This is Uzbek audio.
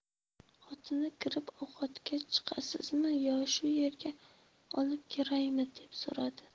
xotini kirib ovqatga chiqasizmi yo shu yerga olib kiraymi deb so'radi